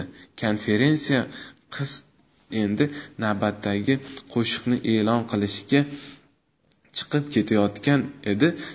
konferansye qiz endi navbatdagi qo'shiqni e'lon qilishga chiqib kelayotgan edi